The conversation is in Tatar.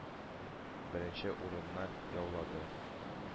Беренче урынны яулады,